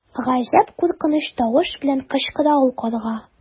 Гаҗәп куркыныч тавыш белән кычкыра ул карга.